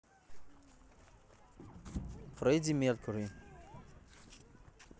freddie mercury